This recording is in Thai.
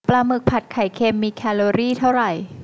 ปลาหมึกผัดไข่เค็มมีแคลอรี่เท่าไหร่